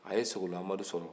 a ye sogolon amadu sɔrɔ